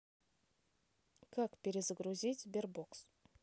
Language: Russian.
как перезагрузить sberbox